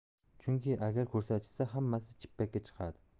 chunki agar ko'rsatishsa hammasi chippakka chiqadi